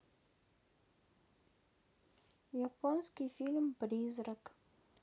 японский фильм призрак